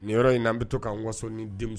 Nin yɔrɔ in na an bɛ to k' waso ni denmuso